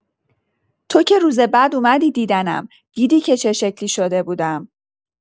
تو که روز بعد اومدی دیدنم، دیدی که چه شکلی شده بودم.